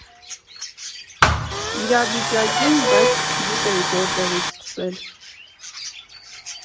Իրավիճակին, բայց չգիտեք որտեղից սկսե՞լ։